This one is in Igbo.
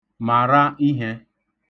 Mara ihe.